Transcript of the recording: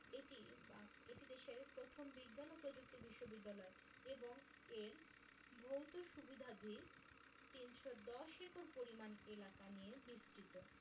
এটি বা এটি দেশের প্রথম বিজ্ঞান ও প্রযুক্তি বিশ্ববিদ্যালয় এবং এর ভৌত সুবিধাদি ৩১০ একর পরিমাণ এলাকা নিয়ে বিস্তৃত